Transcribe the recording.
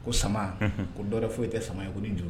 Ko sama ko dɔwɛrɛ fosi tɛ sama ye ko juru